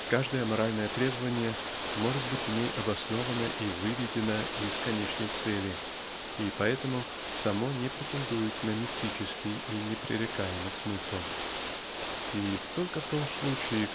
каждое моральное требование может быть в ней обосновано и выведено из конечной цели и потому само не претендует на мистический и непререкаемый смысл. И только в том случае